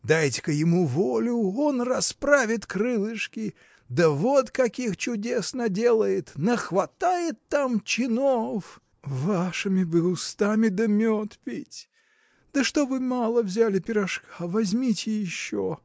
Дайте-ка ему волю, он расправит крылышки, да вот каких чудес наделает нахватает там чинов! – Вашими бы устами да мед пить! Да что вы мало взяли пирожка? возьмите еще!